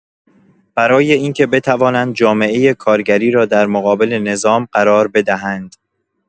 برای اینکه بتوانند جامعۀ کارگری را در مقابل نظام قرار بدهند.